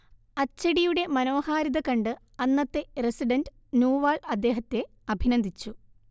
അച്ചടിയുടെ മനോഹാരിത കണ്ട് അന്നത്തെ റസിഡന്റ് നൂവാൾ അദ്ദേഹത്തെ അഭിനന്ദിച്ചു